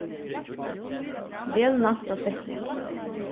vel næsta setning